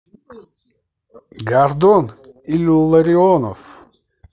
гордон илларионов